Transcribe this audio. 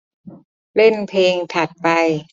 เล่นเพลงถัดไป